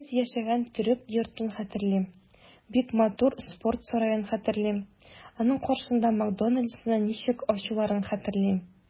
Без яшәгән төрек йортын хәтерлим, бик матур спорт сараен хәтерлим, аның каршында "Макдоналдс"ны ничек ачуларын хәтерлим.